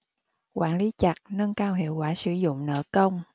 quản lý chặt nâng cao hiệu quả sử dụng nợ công